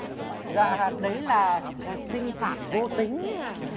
dạ đấy là sinh sản vô tính ạ